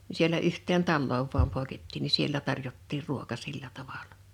niin siellä yhteen taloon vain poikettiin niin siellä tarjottiin ruoka sillä tavalla